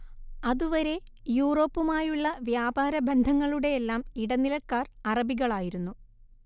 അതുവരെ യൂറോപ്പുമായുളള വ്യാപാര ബന്ധങ്ങളുടെയെല്ലാം ഇടനിലക്കാർ അറബികളായിരുന്നു